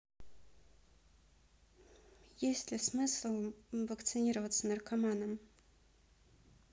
есть ли смысл вакцинироваться наркоманам